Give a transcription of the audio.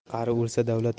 qari o'lsa davlat